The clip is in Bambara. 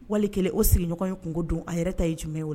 Wali kɛlen o siriɲɔgɔn in kun don a yɛrɛ ta ye jumɛn ye